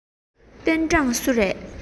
པེན ཀྲང སུ རེད